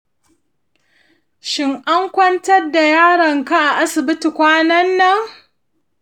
shin an kwantar da yaronka a asibiti kwanan nan?